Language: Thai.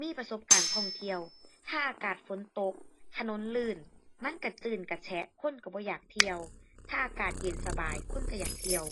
มีประสบการณ์ท่องเที่ยว ถ้าอากาศฝนตก ถนนลื่น มันก็จื้นก็แฉะ คนก็บ่อยากเที่ยว ถ้าอากาศเย็นสบายคนก็อยากเที่ยว